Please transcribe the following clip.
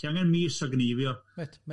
Ti angen mis o gneifio Met, met.